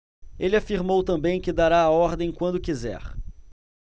ele afirmou também que dará a ordem quando quiser